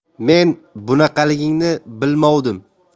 men bunaqaligini bilmovdim